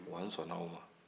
wa n sɔnna o ma